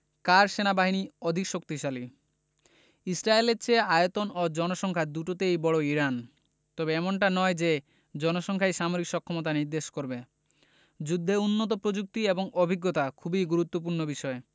কার সেনাবাহিনী অধিক শক্তিশালী ইসরায়েলের চেয়ে আয়তন ও জনসংখ্যা দুটোতেই বড় ইরান তবে এমনটা নয় যে জনসংখ্যাই সামরিক সক্ষমতা নির্দেশ করবে যুদ্ধে উন্নত প্রযুক্তি এবং অভিজ্ঞতা খুবই গুরুত্বপূর্ণ বিষয়